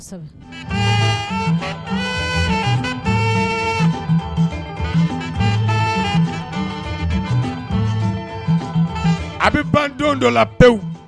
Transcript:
A bi ban don dɔ la pewu.